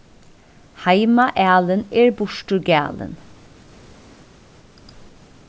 heima alin er burtur galin